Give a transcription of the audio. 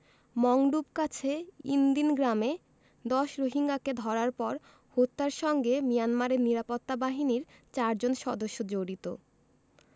মংডুর কাছে ইনদিন গ্রামে ১০ রোহিঙ্গাকে ধরার পর হত্যার সঙ্গে মিয়ানমারের নিরাপত্তা বাহিনীর চারজন সদস্য জড়িত